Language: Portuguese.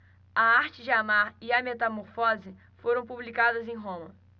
a arte de amar e a metamorfose foram publicadas em roma